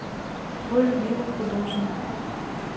твой любимый художник